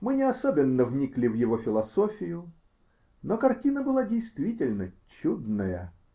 Мы не особенно вникли в его философию, но картина была действительно чудная.